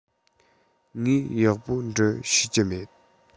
ངས ཡག པོ འབྲི ཤེས ཀྱི མེད